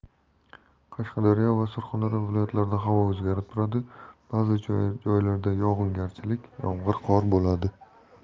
qashqadaryo va surxondaryo viloyatlarida havo o'zgarib turadi ba'zi joylarda yog'ingarchilik yomg'ir qor bo'ladi